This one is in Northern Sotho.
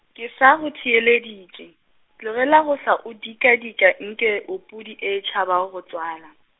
ke sa go theeleditše, tlogela go hlwa o dikadika nke o pudi e tšhaba go go tswala.